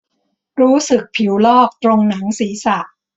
รู้สึกผิวลอกตรงหนังศีรษะ